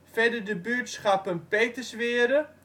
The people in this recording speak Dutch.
Verder de buurtschappen Peterswere